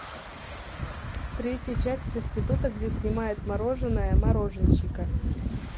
третья часть проституток где снимает мороженое мороженщика